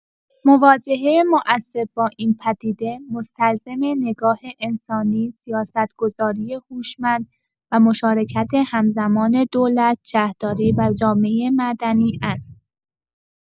مواجهه مؤثر با این پدیده مستلزم نگاه انسانی، سیاست‌گذاری هوشمند و مشارکت هم‌زمان دولت، شهرداری و جامعه مدنی است.